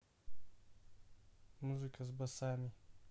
музыка с басами